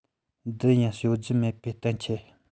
འདི ཡིན ཤོད རྒྱུ མེད པའི གཏམ འཁྱམས